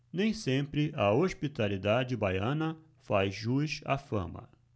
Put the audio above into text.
nem sempre a hospitalidade baiana faz jus à fama